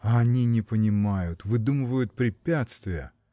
А они не понимают, выдумывают препятствия!